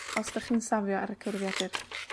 os 'dach chi'n safio ar y cyfrifiadur.